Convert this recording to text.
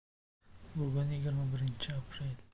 bugun yigirma birinchi aprel